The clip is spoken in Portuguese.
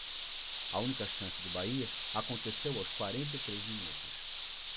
a única chance do bahia aconteceu aos quarenta e três minutos